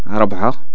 ربعة